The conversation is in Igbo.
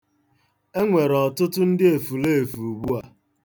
E nwere ọtụtụ ndị efuleefu ugbua?